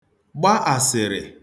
gba àsị̀rị̀